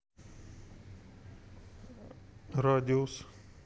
радиус